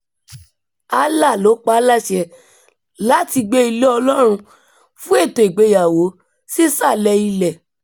Allah l'ó pa á láṣẹ láti gbẹ́ ilé Ọlọ́run fún ètò ìgbéyàwó sísàlẹ̀ ilẹ̀.